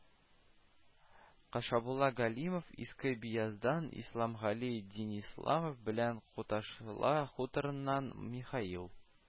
Кашабулла Галимов, Иске Бияздан Исламгали Динисламов белән Куташла хуторыннан Михаил